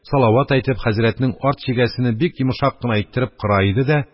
Салават әйтеп, хәзрәтнең арт чигәсене бик йомшак кына иттереп кыра иде дә,